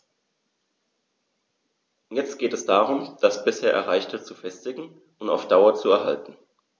Jetzt geht es darum, das bisher Erreichte zu festigen und auf Dauer zu erhalten.